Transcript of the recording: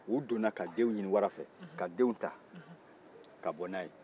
u donna ka denw ɲini wara fɛ ka denw ta ka bɔ n'a ye